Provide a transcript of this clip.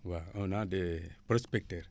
waaw on a des prospecteurs